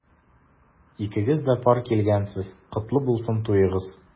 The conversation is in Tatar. Икегез дә пар килгәнсез— котлы булсын туегыз!